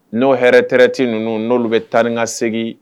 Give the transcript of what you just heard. N'o hɛrɛreti ninnu n'olu bɛ taani ka segin